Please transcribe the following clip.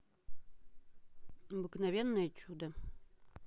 обыкновенное чудо